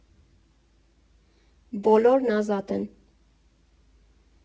Բոլորն ազատ են։